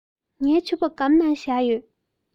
ངའི ཕྱུ པ སྒམ ནང ལ བཞག ཡོད